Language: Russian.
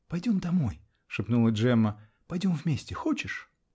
-- Пойдем домой, -- шепнула Джемма, -- пойдем вместе -- хочешь?